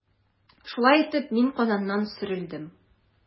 Шулай итеп, мин Казаннан сөрелдем.